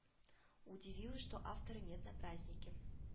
Удивило что автора нет на празднике